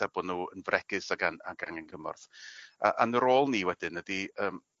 a bod n'w yn fregus ag ang- ag angen cymorth. A a'n rôl ni wedyn ydi yym